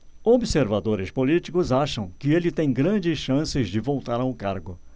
observadores políticos acham que ele tem grandes chances de voltar ao cargo